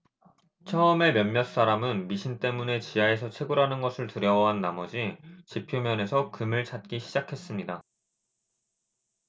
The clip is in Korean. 처음에 몇몇 사람은 미신 때문에 지하에서 채굴하는 것을 두려워한 나머지 지표면에서 금을 찾기 시작했습니다